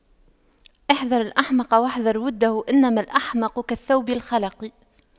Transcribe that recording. احذر الأحمق واحذر وُدَّهُ إنما الأحمق كالثوب الْخَلَق